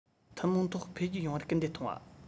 ཐུན མོང ཐོག འཕེལ རྒྱས ཡོང བར སྐུལ འདེད གཏོང བ